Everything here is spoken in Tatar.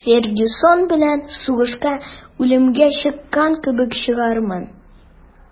«фергюсон белән сугышка үлемгә чыккан кебек чыгармын»